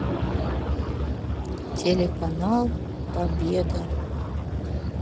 телеканал победа